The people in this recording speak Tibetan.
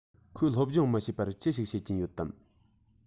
ཁོས སློབ སྦྱོང མི བྱེད པར ཅི ཞིག བྱེད ཀྱིན ཡོད དམ